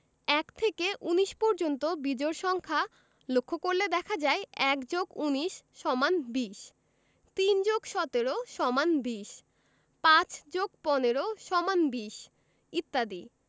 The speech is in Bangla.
১ থেকে ১৯ পর্যন্ত বিজোড় সংখ্যা লক্ষ করলে দেখা যায় ১+১৯=২০ ৩+১৭=২০ ৫+১৫=২০ ইত্যাদি